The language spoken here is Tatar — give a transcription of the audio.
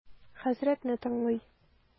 Хәзрәтне тыңлый.